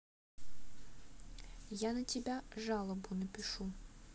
я на тебя жалобу напишу